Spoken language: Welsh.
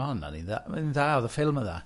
Ma' honna'n un dda, mae'n un dda, oedd y ffilm yn dda.